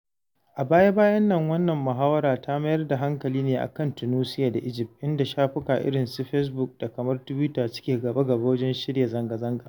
A baya-bayan nan, wannan muhawara ta mayar da hankali ne a kan Tuunusia da Egypt, inda shafuka irin su Fesbuk da kafar Tiwita suke gaba-gaba wajen shirya zanga-zanga.